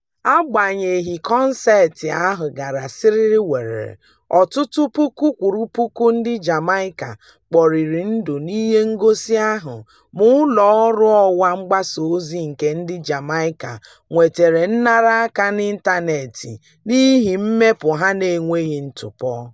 Agbanyeghị, kọnseetị ahụ gara síríríwèrè, ọtụtụ puku kwụrụ puku ndị Jamaica kporiri ndụ n'ihe ngosi ahụ ma ụlọ ọrụ ọwa mgbasa ozi nke ndị Jamaica nwetara nnara aka n'ịntaneetị n'ihi mmepụta ha na-enweghị ntụpọ: